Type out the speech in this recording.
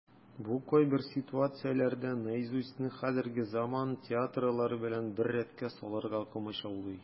Бу кайбер ситуацияләрдә "Наизусть"ны хәзерге заман театрылары белән бер рәткә салырга комачаулый.